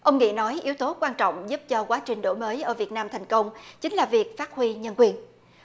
ông nghị nói yếu tố quan trọng giúp cho quá trình đổi mới ở việt nam thành công chính là việc phát huy nhân quyền